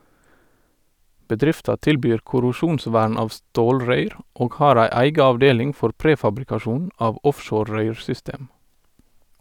Bedrifta tilbyr korrosjonsvern av stålrøyr , og har ei eiga avdeling for prefabrikasjon av offshore røyrsystem.